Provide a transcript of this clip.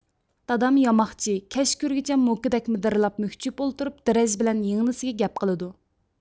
دادام ياماقچى كەچ كىرگۈچە موكىدەك مىدىرلاپ مۈكچىيىپ ئولتۇرۇپ دىرەج بىلەن يىڭنىسىگە گەپ قىلىدۇ